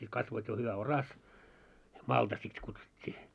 sitten kasvoi jo hyvä oras malta sitä kutsuttiin